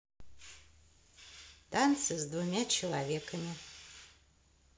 танцы с двумя человеками